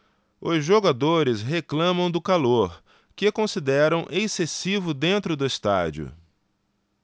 os jogadores reclamam do calor que consideram excessivo dentro do estádio